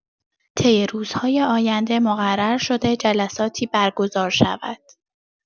طی روزهای آینده مقرر شده جلساتی برگزار شود.